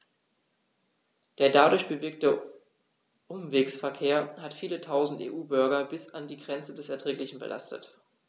Der dadurch bewirkte Umwegsverkehr hat viele Tausend EU-Bürger bis an die Grenze des Erträglichen belastet.